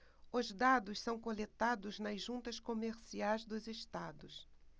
os dados são coletados nas juntas comerciais dos estados